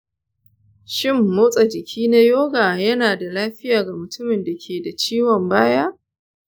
shin motsa jiki na yoga yana da lafiya ga mutumin da ke da ciwon baya?